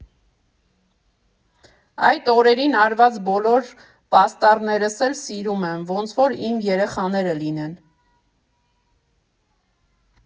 Այդ օրերին արված բոլոր պաստառներս էլ սիրում եմ, ոնց որ իմ երեխաները լինեն։